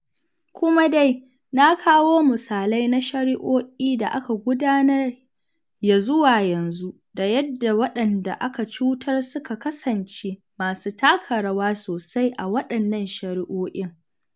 Kuma dai, na kawo misalai na shari'o'in da aka gudanar ya zuwa yanzu da yadda waɗanda aka cutar suka kasance masu taka rawa sosai a waɗannan shari'o'in.